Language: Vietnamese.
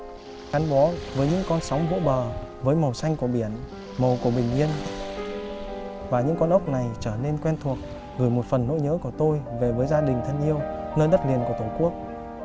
gắn bó với những con sóng vỗ bờ với màu xanh của biển màu của bình yên và những con ốc này trở nên quen thuộc gửi một phần nỗi nhớ của tôi về với gia đình thân yêu nơi đất liền của tổ quốc